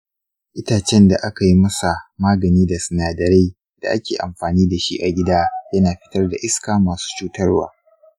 itacen da aka yi masa magani da sinadarai da ake amfani da shi a gida yana fitar da iska masu cutarwa.